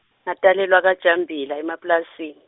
ngatalelwa kaJambila emapulasi-.